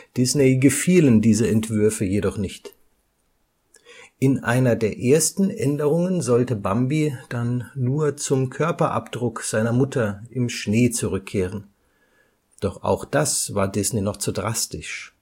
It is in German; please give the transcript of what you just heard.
Disney gefielen diese Entwürfe jedoch nicht. In einer der ersten Änderungen sollte Bambi dann nur zum Körperabdruck seiner Mutter im Schnee zurückkehren. Doch auch das war Disney noch zu drastisch